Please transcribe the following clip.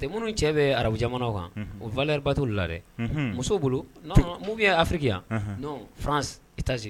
Cɛ minnu cɛ bɛ arabujaw kan o vbatu la dɛ musow bolo mun bɛ ye afiriki yan i taa sigi